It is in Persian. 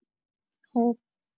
خب.